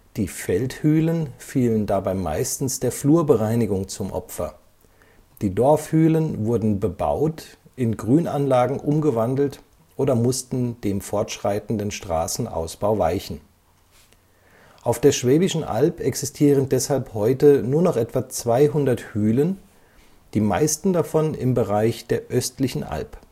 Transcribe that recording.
Die Feldhülen fielen dabei meistens der Flurbereinigung zum Opfer, die Dorfhülen wurden bebaut, in Grünanlagen umgewandelt oder mussten dem fortschreitenden Straßenausbau weichen. Auf der Schwäbischen Alb existieren deshalb heute nur noch etwa 200 Hülen, die meisten davon im Bereich der östlichen Alb